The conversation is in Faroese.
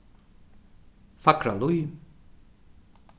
fagralíð